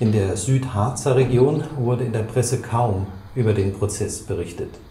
der Südharzer Region wurde in der Presse kaum über den Prozess berichtet